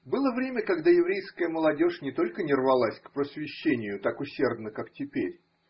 Было время, когда еврейская молодежь не только не рвалась к просвещению так усердно, как теперь.